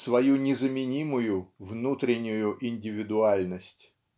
свою незаменимую внутреннюю индивидуальность.